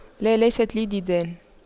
لا ليست لي ديدان